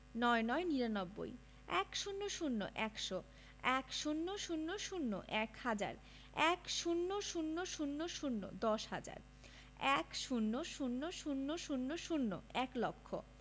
৯৯ - নিরানব্বই ১০০ – একশো ১০০০ – এক হাজার ১০০০০ দশ হাজার ১০০০০০ এক লক্ষ